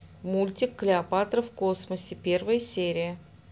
мультик клеопатра в космосе первая серия